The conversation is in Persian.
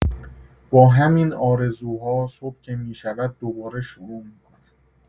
با همه این آرزوها، صبح که می‌شود دوباره شروع می‌کنم.